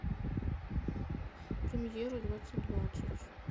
премьеры двадцать двадцать